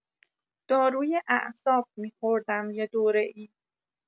داروی اعصاب می‌خوردم یه دوره‌ای.